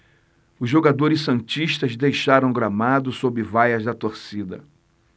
os jogadores santistas deixaram o gramado sob vaias da torcida